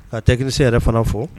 Ka technicien yɛrɛ fana fo